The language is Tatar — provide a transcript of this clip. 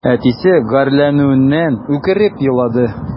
Әтисе гарьләнүеннән үкереп елады.